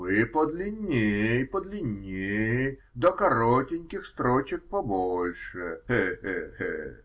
Вы подлинней, подлинней, да коротеньких строчек побольше. Хе-хе!